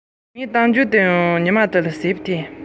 ངའི གཏམ རྒྱུད ཀྱང ཉིན དེ ནས རྫོགས